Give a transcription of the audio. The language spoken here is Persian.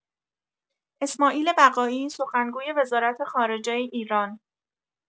اسماعیل بقائی، سخنگوی وزارت‌خارجه ایران